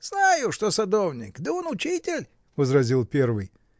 — Знаю, что садовник, да он учитель, — возразил первый.